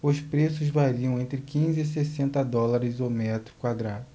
os preços variam entre quinze e sessenta dólares o metro quadrado